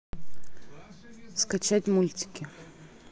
скачать мультики